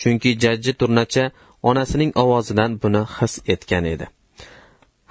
chunki jajji turnacha onasining ovozidan buni his etgan edi